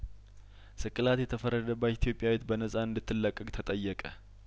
ስቅላት የተፈረደባት ኢትዮጵያዊት በነጻ እንድት ለቀቅ ተጠየቀ